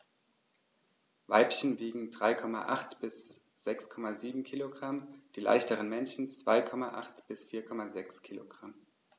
Weibchen wiegen 3,8 bis 6,7 kg, die leichteren Männchen 2,8 bis 4,6 kg.